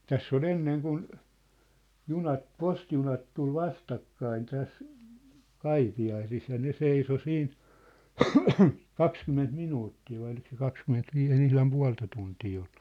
tässä oli ennen kun junat postijunat tuli vastakkain tässä Kaipiaisissa ja ne seisoi siinä kaksikymmentä minuuttia vai oliko se kaksikymmentäviisi ei ne ihan puolta tuntia ollut